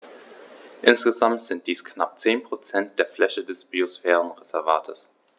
Insgesamt sind dies knapp 10 % der Fläche des Biosphärenreservates.